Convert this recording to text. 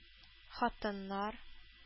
Хатыннар